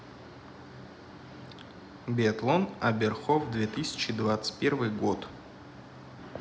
биатлон оберхоф две тысячи двадцать первый год